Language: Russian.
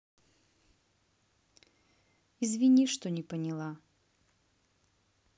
извини что не поняла